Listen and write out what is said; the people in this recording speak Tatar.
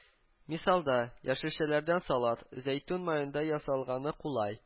Мисалда, яшелчәләрдән салат (зәйтүн маенда ясалганы кулай)